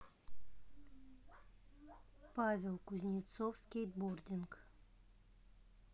павел кузнецов скейтбординг